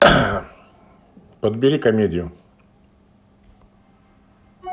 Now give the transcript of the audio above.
подбери комедию